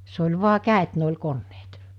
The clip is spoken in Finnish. se oli vain kädet ne oli koneet